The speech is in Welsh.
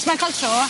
Ti moyn ca'l tro?